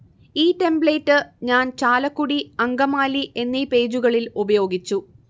ഈ ടെമ്പ്ലേറ്റ് ഞാൻ ചാലക്കുടി അങ്കമാലി എന്നീ പേജുകളിൽ ഉപയോഗിച്ചു